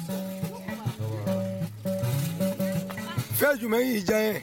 Fɛn jumɛn y'i diya ye